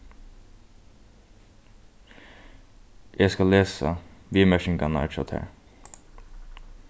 eg skal lesa viðmerkingarnar hjá tær